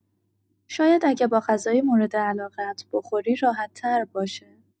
شاید اگه با غذای موردعلاقه‌ات بخوری، راحت‌تر باشه.